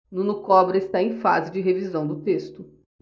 nuno cobra está em fase de revisão do texto